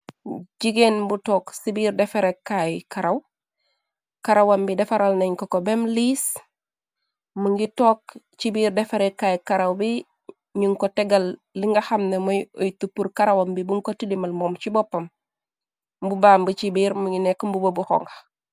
Jigeen bu tokk ci biir defarekaay karaw karawam bi defaral nañ ko ko bem liis mu ngi took ci biir defare kaay karaw bi ñun ko tegal li nga xamna mëy uy tu pur karawam bi bun ko tilimal moom ci boppam mbu bàmb ci biir mu ngi nekk mbubobu xonku.